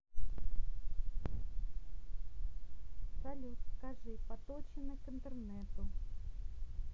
салют скажи поточены к интернету